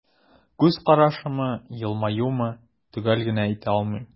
Күз карашымы, елмаюмы – төгәл генә әйтә алмыйм.